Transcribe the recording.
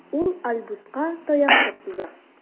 Ул Альбуска таякчык суза.